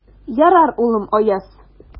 Ярар, улым, Аяз.